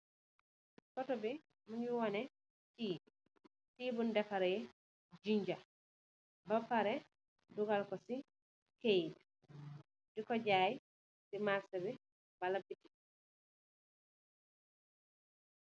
Photo bi mungi waneh tea, tea bun dafareh jinja. Bapareh dogal ko si kayyit, diko jaye si marseh bi wala bitik.